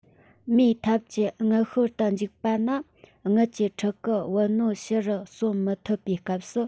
མིའི ཐབས ཀྱིས མངལ ཤོར དུ འཇུག པ ནི མངལ གྱི ཕྲུ གུ བུ སྣོད ཕྱི རུ གསོན མི ཐུབ པའི སྐབས སུ